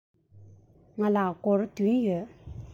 ང ལ སྒོར བདུན ཡོད